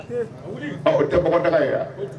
A' tɛ bakarijankala ye yan